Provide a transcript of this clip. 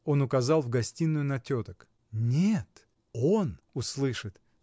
— Он указал в гостиную на теток. — Нет, он услышит!